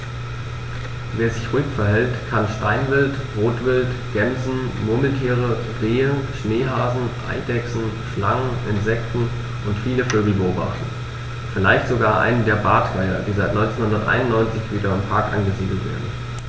Wer sich ruhig verhält, kann Steinwild, Rotwild, Gämsen, Murmeltiere, Rehe, Schneehasen, Eidechsen, Schlangen, Insekten und viele Vögel beobachten, vielleicht sogar einen der Bartgeier, die seit 1991 wieder im Park angesiedelt werden.